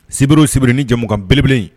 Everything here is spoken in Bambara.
Sibriw sibiri ni jamumu kan belebele